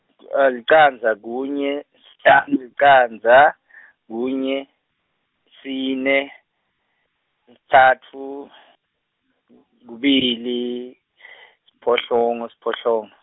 licandza kunye, sihlanu licandza , kunye, tsine, kutsatfu , kubili , siphohlongo siphohlongo.